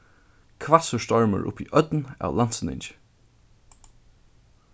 hvassur stormur upp í ódn av landsynningi